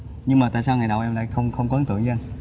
nhưng mà tại sao ngày nào em lại không không có ấn tượng với anh